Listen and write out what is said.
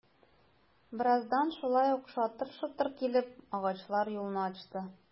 Бераздан шулай ук шатыр-шотыр килеп, агачлар юлны ачты...